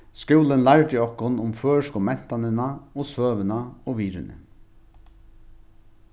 skúlin lærdu okkum um føroysku mentanina og søguna og virðini